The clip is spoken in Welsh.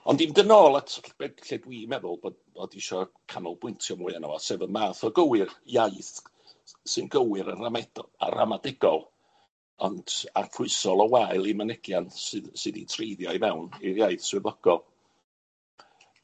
Ond i fynd yn ôl at be lle dwi'n meddwl bod bod isio canolbwyntio mwy arno fo sef y math o gywir iaith sy'n gywir a ramedo- a ramadegol, ond arpwysol o wael 'i mynegiant sy sy 'di treiddio i fewn i'r iaith swyddogol.